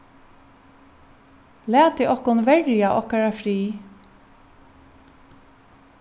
latið okkum verja okkara frið